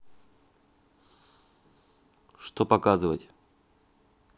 что показывать